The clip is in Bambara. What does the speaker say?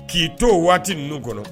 K'i to waati ninnu kɔnɔ